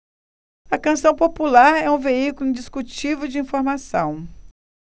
a canção popular é um veículo indiscutível de informação